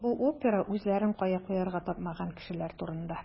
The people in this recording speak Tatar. Бу опера үзләрен кая куярга тапмаган кешеләр турында.